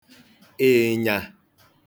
ị̀ị̀nyà